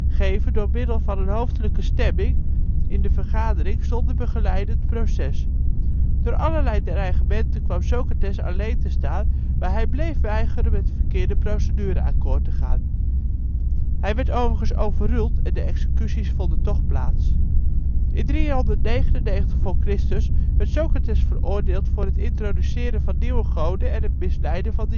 geven door middel van een hoofdelijke stemming in de vergadering zonder begeleidend proces. Door allerlei dreigementen kwam Socrates alleen te staan, maar hij bleef weigeren met de verkeerde procedure akkoord te gaan. (Hij werd overigens overruled en de executies vonden toch plaats). In 399 v. Chr. werd Socrates veroordeeld voor het introduceren van nieuwe goden en het misleiden van